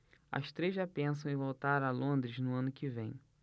as três já pensam em voltar a londres no ano que vem